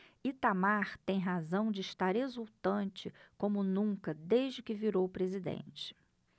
itamar tem razão de estar exultante como nunca desde que virou presidente